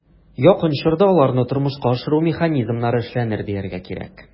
Якын чорда аларны тормышка ашыру механизмнары эшләнер, дияргә кирәк.